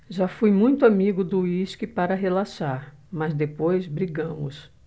já fui muito amigo do uísque para relaxar mas depois brigamos